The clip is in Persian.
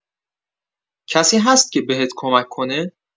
کسی هست که بهت کمک کنه؟